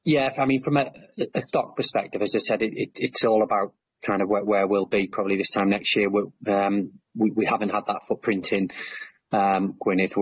Um yeah I from a a doc perspective, it it's all about um where we'll be next year, we haven't had that footprint in um Gwynedd.